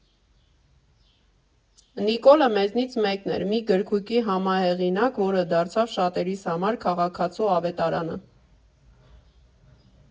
Նիկոլը մեզնից մեկն էր՝ մի գրքույկի համահեղինակ, որ դարձավ շատերիս համար քաղաքացու ավետարանը։